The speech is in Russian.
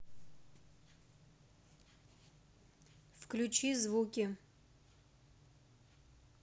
включи звуки